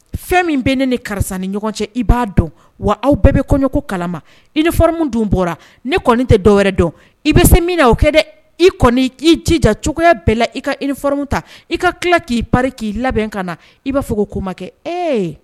Fɛn min bɛ ne ni karisa ni ɲɔgɔn cɛ i b'a dɔn wa aw bɛɛ bɛ kɔɲɔko kalama i ni f dun bɔra ne kɔni tɛ dɔw wɛrɛ dɔn i bɛ se min na o kɛ dɛ i kɔni i jija cogoyaya bɛɛ la i ka i ni f ta i ka tila k'i ba k'i labɛn ka na i b'a fɔ k ko ko ma kɛ ee